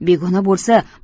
begona bo'lsa